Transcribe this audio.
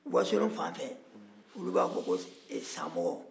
wasolo fanfɛ olu b'a fɔ ko ɛɛ samɔgɔ